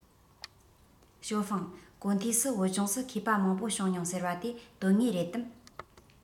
ཞའོ ཧྥུང གོ ཐོས སུ བོད ལྗོངས སུ མཁས པ མང པོ བྱུང མྱོང ཟེར བ དེ དོན དངོས རེད དམ